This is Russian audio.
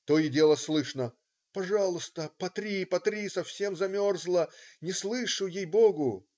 То и дело слышно: "пожалуйста, потри, потри, совсем замерзла, не слышу, ей-Богу.